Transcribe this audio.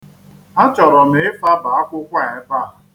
Achọrọ m ịfaba akwụkwọ a ebe a.